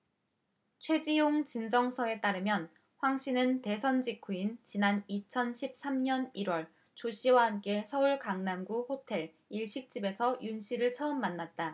최지용진정서에 따르면 황씨는 대선 직후인 지난 이천 십 삼 년 일 월 조씨와 함께 서울 강남구 호텔 일식집에서 윤씨를 처음 만났다